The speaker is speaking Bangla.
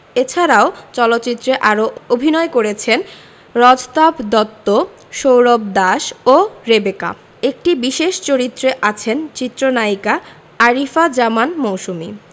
এছাড়াও চলচ্চিত্রে আরও অভিনয় করেছেন রজতাভ দত্ত সৌরভ দাস ও রেবেকা একটি বিশেষ চরিত্রে আছেন চিত্রনায়িকা আরিফা জামান মৌসুমী